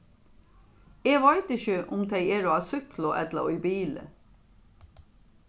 eg veit ikki um tey eru á súkklu ella í bili